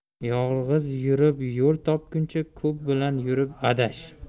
yolg'iz yurib yo'l topguncha ko'p bilan yurib adash